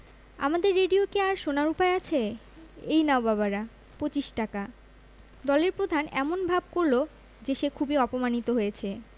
আমাদের রেডিও কি আর শোনার উপায় আছে এই নাও বাবার পঁচিশ টাকা দলের প্রধান এমন ভাব করল যে সে খুবই অপমানিত হয়েছে